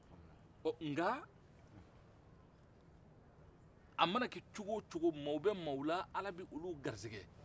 nga a mana kɛ cogo o cogo mɔgɔw mɔgɔw la ala bɛ olu garisɛgɛ